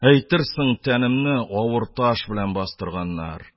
Әйтерсең, тәнемне авыр таш белән бастырганнар,